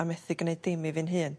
a methu gneud dim i fi'n hun.